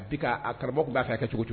A bi' aa karamɔgɔw b'a ka a kɛ cogo